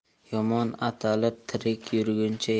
yomon atalib tirik yurguncha